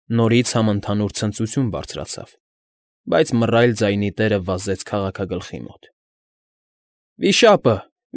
Նորից համընդհանուր ցնծություն բարձրացավ, բայց մռայլ ձայնի տերը վազեց քաղաքագլխի մոտ։ ֊ Վիշա՜պը։